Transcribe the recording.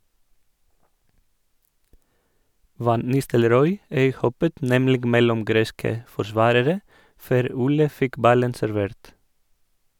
Van Nistelrooy øyhoppet nemlig mellom greske forsvarere, før Ole fikk ballen servert.